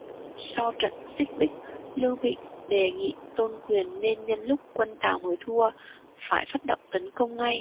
sau trận xích bích lưu bị đề nghị tôn quyền nên nhân lúc quân tào mới thua phải phát động tấn công ngay